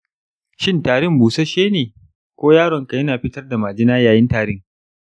shin tarin busasshe ne, ko yaronka yana fitar da majina yayin tari?